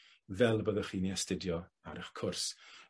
fel y byddwch chi'n 'u astudio ar 'ych cwrs.